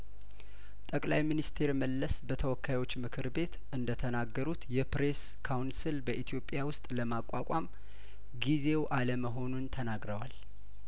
ጠቅላይ ሚኒስቴር መለስ በተወካዮች ምክር ቤት እንደተናገሩት የፕሬስ ካውንስል በኢትዮጵያ ውስጥ ለማቋቋም ጊዜው አለመሆኑን ተናግረዋል